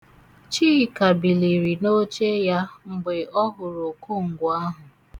Chika biliri n'oche ya mgbe ọ hụrụ okongwu ahụ.